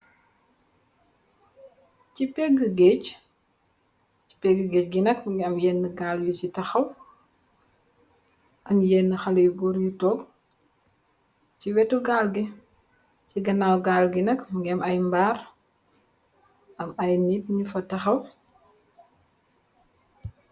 Ci peegë geege, peegë geege gi nak mu ngi yeenë gaal yu taxaw, am yeenë xalé goor yu toog. Ci weru gaal gi, ci ganaaw gaal gi nak, ay mbaar, am ay nit yu fa taxaw